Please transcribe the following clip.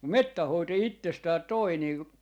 metsän hoito jo itsestään toi niin